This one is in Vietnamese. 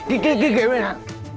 cái kiểu này nè